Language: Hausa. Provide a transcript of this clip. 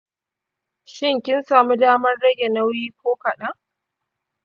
shin kin samu damar rage nauyi ko kadan?